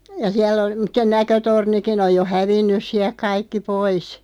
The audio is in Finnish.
ja siellä - mutta se näkötornikin on jo hävinnyt sieltä kaikki pois